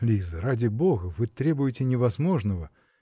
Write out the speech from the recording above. -- Лиза, ради бога, вы требуете невозможного.